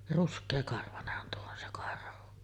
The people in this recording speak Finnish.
ruskeakarvainenhan tuo on se karhu